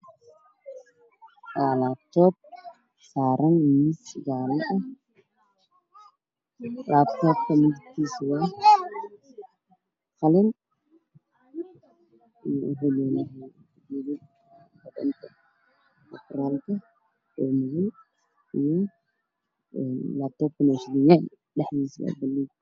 Meshaan waxaa yaalo labo miis mid midib kiisa waa madow midna waa qaxwi